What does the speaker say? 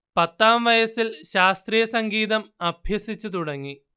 പത്താം വയസിൽ ശാസ്ത്രീയ സംഗീതം അഭ്യസിച്ചു തുടങ്ങി